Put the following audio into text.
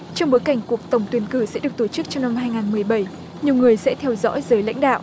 trong bối cảnh cuộc tổng tuyển cử sẽ được tổ chức trong năm hai ngàn mười bảy nhiều người sẽ theo dõi giới lãnh đạo